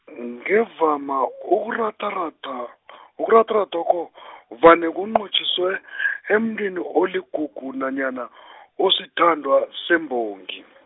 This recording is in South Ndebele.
ngevama ukuratharatha , ukuratharathokho , vane kunqotjhiswe , emuntwini oligugu nanyana , osithandwa, sembongi .